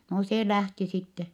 no se lähti sitten